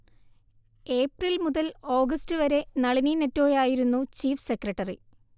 ഏപ്രിൽമുതൽ ഓഗസ്റ്റ്വരെ നളിനി നെറ്റോയായിരുന്നു chief secretary